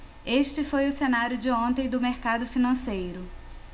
este foi o cenário de ontem do mercado financeiro